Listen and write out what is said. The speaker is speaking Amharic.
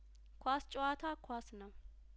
ኳስ ጨዋታ ኳስ ነው